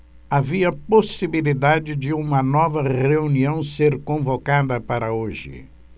havia possibilidade de uma nova reunião ser convocada para hoje